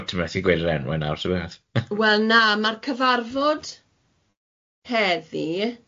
Wel ti methu gweud yr enwe nawr ty beth... Wel na ma'r cyfarfod heddi